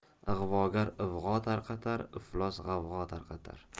ig'vogar ig'vo tarqatar iflos g'avg'o tarqatar